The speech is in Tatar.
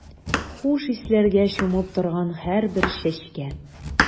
Хуш исләргә чумып торган һәрбер чәчкә.